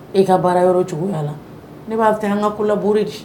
E ka baara yɔrɔ cogoya la ne b'a kɛ an ka kolaɔr de